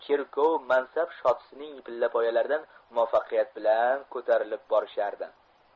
cherkov mansab shotisining pillapoyalaridan muvaffaqiyat bilan ko'tarilib borishardi